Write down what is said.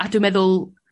A dwi meddwl